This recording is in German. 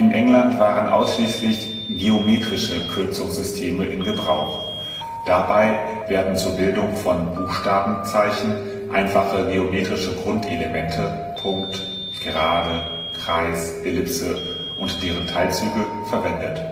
England waren ausschließlich „ geometrische “Kurzschriftsysteme in Gebrauch. Dabei werden zur Bildung von Buchstabenzeichen einfache geometrische Grundelemente (Punkt, Gerade, Kreis, Ellipse und deren Teilzüge) verwendet